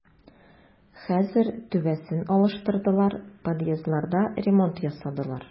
Хәзер түбәсен алыштырдылар, подъездларда ремонт ясадылар.